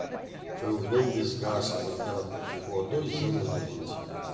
foi um grande desgaste porque ela ficou dois anos doente